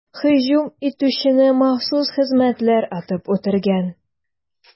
Һөҗүм итүчене махсус хезмәтләр атып үтергән.